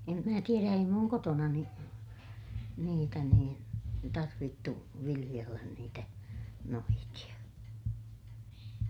en minä tiedä ei minun kotonani niitä niin tarvittu viljellä niitä noitia